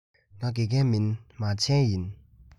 ང དགེ རྒན མིན མ བྱན ཡིན